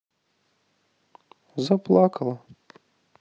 заплакала